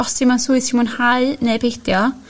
os ti mewn swydd ti'n mwynhau neu beidio